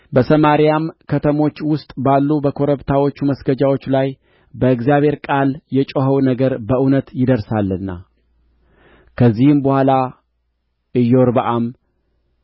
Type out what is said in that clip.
በሰማርያም ከተሞች ውስጥ ባሉ በኮረብታዎቹ መስገጃዎች ላይ በእግዚአብሔር ቃል የጮኸው ነገር በእውነት ይደርሳልና ከዚህም በኋላ ኢዮርብዓም